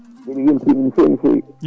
mbeɗa weltina no fewi no fewi